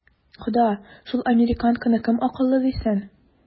Кода, шул американканы кем акыллы дисен?